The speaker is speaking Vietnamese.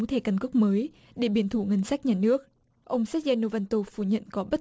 thẻ căn cước mới để biển thủ ngân sách nhà nước ông séc de nô văn tô phủ nhận có bất